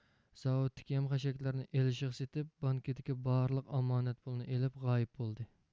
زاۋۇتتىكى يەم خەشەكلەرنى ئېلىشىغا سېتىپ بانكىدىكى بارلىق ئامانەت پۇلنى ئېلىپ غايىب بولدى